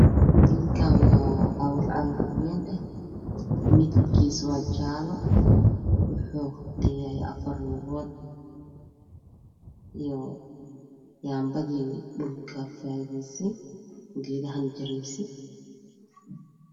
Geedkaan waa cagaf cagaf ween ah midapkiizna waa jaalo waxuu leyahay afar luguud iyo yanpadii dhulka fageesay gedahana jareesay